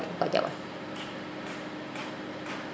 fop kam jawan